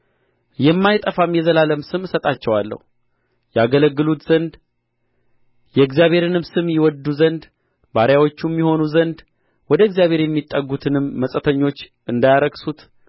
የማይጠፋም የዘላለም ስም እሰጣቸዋለሁ ያገለግሉት ዘንድ የእግዚአብሔርንም ስም ይወድዱ ዘንድ ባሪያዎቹም ይሆኑ ዘንድ ወደ እግዚአብሔር የሚጠጉትንም መጻተኞች እንዳያረክሱት